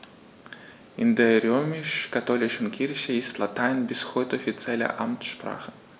In der römisch-katholischen Kirche ist Latein bis heute offizielle Amtssprache.